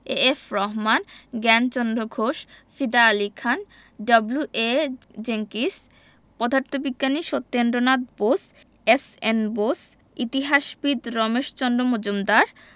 A F Rahman Gyanchandra Ghosh Fida Ali Khan W A Jenkins পদার্থবিজ্ঞানী Satyendranath Bose S N Bose ইতিহাসবিদ রমেশচন্দ্র মজুমদার